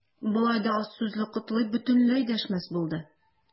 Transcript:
Болай да аз сүзле Котлый бөтенләй дәшмәс булды.